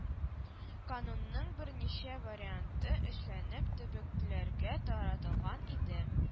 Канунның берничә варианты эшләнеп төбәкләргә таратылган иде